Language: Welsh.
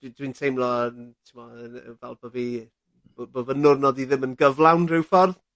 dwi dwi'n teimlo yn t'mod fel bo' fi bo' bo' fy niwrnod i ddim yn gyflawn ryw ffordd.